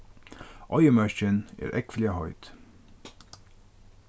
oyðimørkin er ógvuliga heit